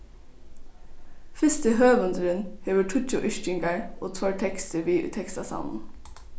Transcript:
fyrsti høvundurin hevur tíggju yrkingar og tveir tekstir við í tekstasavninum